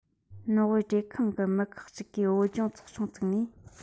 ནོར ཝེ གྲོས ཁང གི མི ཁག ཅིག གིས བོད ལྗོངས ཚོགས ཆུང བཙུགས ནས